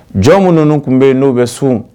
Jɔn minnu tun bɛ yen n'o bɛ sun